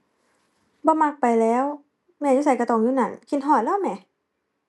บ่มักไปแหล้ว แม่อยู่ไสก็ต้องอยู่นั้น คิดฮอดเลาแหม